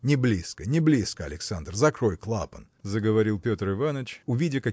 – Не близко, не близко, Александр, закрой клапан! – заговорил Петр Иваныч увидя